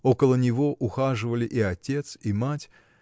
Около него ухаживали и отец и мать.